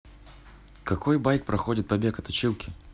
какой байк проходит побег от училки